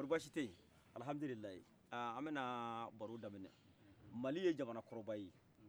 kɔri bachitey alhamdulila an bena baro daminɛ mali ye jamana kɔrɔbaye